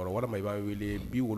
walima i b'an wele 70